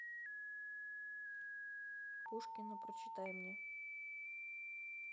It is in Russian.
пушкина прочитай мне